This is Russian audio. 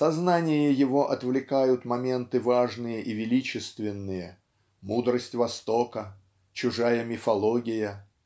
сознание его отвлекают моменты важные и величественные мудрость востока чужая мифология